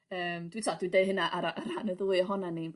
Yym dwi t'od dwi deu hynna ar ra- ar rhan y ddwy ohonan ni.